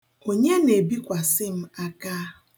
Onye na-ebikwasi m aka?